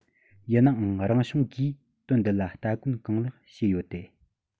ཡིན ནའང རང བྱུང གིས དོན འདི ལ སྟ གོན གང ལེགས བྱས ཡོད དེ